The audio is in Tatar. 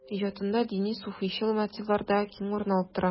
Иҗатында дини-суфыйчыл мотивлар да киң урын алып тора.